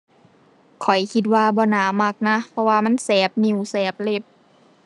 ข้อยคิดว่าบ่น่ามักนะ เพราะว่ามันแสบนิ้ว แสบเล็บ